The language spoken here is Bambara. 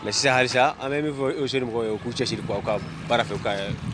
Mɛ sisan hali an bɛ bɛ fɔ semɔgɔ ye k'u cɛ siri bɔ ka baarafe ka ye